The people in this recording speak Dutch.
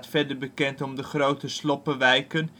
verder bekend om de grote sloppenwijken